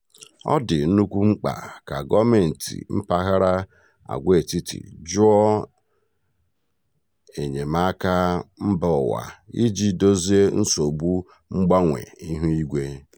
Ọ dị nnukwu mkpa ka gọọmentị mpaghara agwaetiti jụọ enyemaaka mbaụwa iji dozie nsogbu mgbanwe ihuigwe.